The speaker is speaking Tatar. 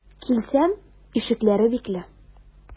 Килсәм, ишекләре бикле.